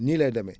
nii lay demee